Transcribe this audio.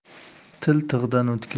til tig'dan o'tkir